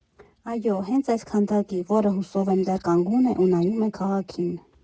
Այո, հենց այս քանդակի, որը, հուսով եմ, դեռ կանգուն է ու նայում է քաղաքին…